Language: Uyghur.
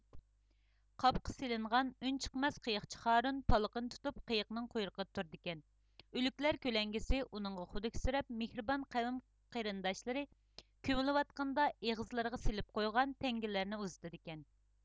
قاپىقى سېلىنغان ئۈنچىقماس قېيىقچى خارون پالىقىنى تۇتۇپ قېيىقنىڭ قۇيرۇقىدا تۇرىدىكەن ئۆلۈكلەر كۆلەڭگىسى ئۇنىڭغا خۇدۈكسىرەپ مېھرىبان قەۋىم قېرىنداشلىرى كۆمۈلۈۋاتقنىدا ئېغىزلىرىغا سېلىپ قويغان تەڭگىلەرنى ئۇزىتىدىكەن